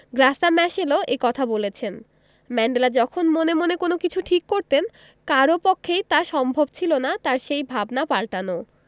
Graca ম্যাশেলও এ কথা বলেছেন ম্যান্ডেলা যখন মনে মনে কোনো কিছু ঠিক করতেন কারও পক্ষেই তা সম্ভব ছিল না তাঁর সেই ভাবনা পাল্টানো